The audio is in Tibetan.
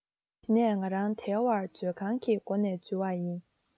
དེ ནས ང རང དལ བར མཛོད ཁང གི སྒོ ནས འཛུལ བ ཡིན